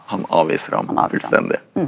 han avviser han fullstendig.